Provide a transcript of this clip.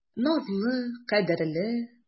Назлы, кадерле.